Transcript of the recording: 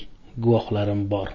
guvohlarim bor